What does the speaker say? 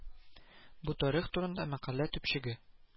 Бу тарих турында мәкалә төпчеге